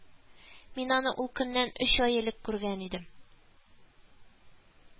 Мин аны ул көннән өч ай элек күргән идем